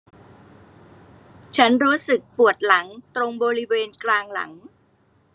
ฉันรู้สึกปวดหลังตรงบริเวณกลางหลัง